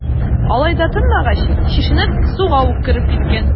Алай да тынмагач, чишенеп, суга ук кереп киткән.